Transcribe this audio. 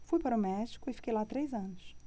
fui para o méxico e fiquei lá três anos